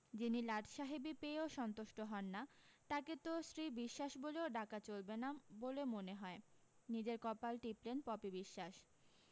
যিনি লাটসাহেবী পেয়েও সন্তুষ্ট হন না তাকে তো শ্রী বিশ্বাস বলেও ডাকা চলবে না বলে মনে হয় নিজের কপাল টিপলেন পপি বিশ্বাস